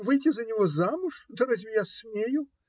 Выйти за него замуж? Да разве я смею?